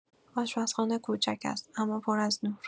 آشپزخانه کوچک است، اما پر از نور.